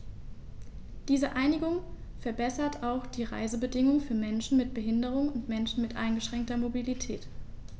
Diese Einigung verbessert auch die Reisebedingungen für Menschen mit Behinderung und Menschen mit eingeschränkter Mobilität.